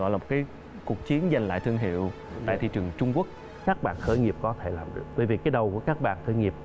gọi là cái cuộc chiến giành lại thương hiệu tại thị trường trung quốc các bạn khởi nghiệp có thể làm được về việc cái đầu của các bạn khởi nghiệp